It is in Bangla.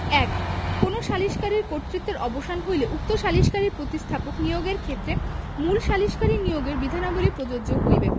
১ কোন সালিকারীর কর্তত্বের অবসান হইলে উক্ত সালিকারীর প্রতিস্থাপক নিয়োগের ক্ষেত্রে মূল সালিসকারী নিয়োগের বিধানাবলী প্রযোজ্য হইবে